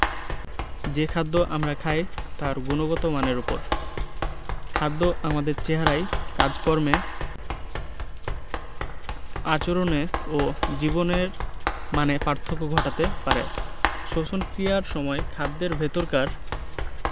যে খাদ্য আমরা খাই তার গুণগত মানের ওপর খাদ্য আমাদের চেহারায় কাজকর্মে আচরণে ও জীবনের মানে পার্থক্য ঘটাতে পারে শ্বসন ক্রিয়ার সময় খাদ্যের ভেতরকার